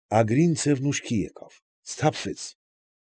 Ագրինցևն ուշքի եկավ, սթափվեց։